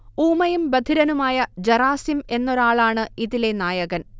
ഊമയും ബധിരനുമായ ജറാസിം എന്നൊരാളാണ് ഇതിലെ നായകൻ